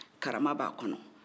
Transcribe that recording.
karama b'a kɔnɔ